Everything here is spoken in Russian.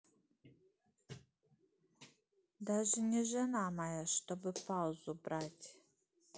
даже не жена моя чтобы паузу брать